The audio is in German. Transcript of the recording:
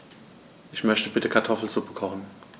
Ich möchte bitte Kartoffelsuppe kochen.